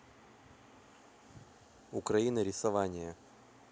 украина рисование